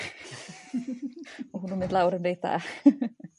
Ma' hwnnw mynd lawr yn reit dda .